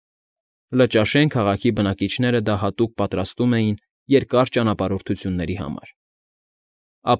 Լճաշեն քաղաքի բնակիչները դա հատուկ պատրաստում էին երկար ճանապարհորդությունների համար)։